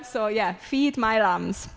So, ie, feed my lambs.